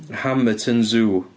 Hamerton Zoo.